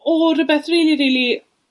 o rwbeth rili rili